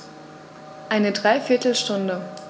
Eine dreiviertel Stunde